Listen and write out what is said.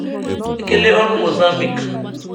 Ekele ọrụ Mozambique!